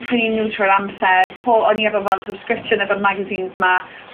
prynu nw trwy'r amser, po- o'n i efo fel subscription efo'r magazines 'ma,